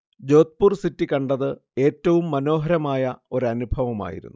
Jodhpur city കണ്ടത് ഏറ്റവും മനോഹരമായ ഒരനുഭവമായിരുന്നു